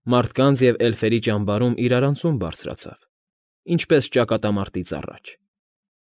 Մարդկանց և էլֆերի ճամբարում իրարանցում բարձրացավ, ինչպես ճակատամարտից առաջ։